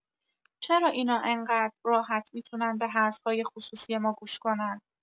چرا اینا انقد راحت می‌تونن به حرف‌های خصوصی ما گوش کنن؟